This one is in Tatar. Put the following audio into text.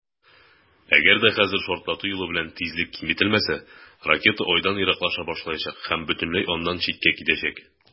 Әгәр дә хәзер шартлату юлы белән тизлек киметелмәсә, ракета Айдан ераклаша башлаячак һәм бөтенләй аннан читкә китәчәк.